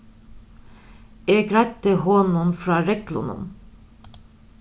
eg greiddi honum frá reglunum